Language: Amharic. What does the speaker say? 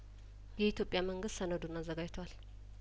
የኢትዮጵያ መንግስት ሰነዱን አዘጋጅቷል